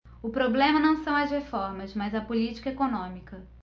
o problema não são as reformas mas a política econômica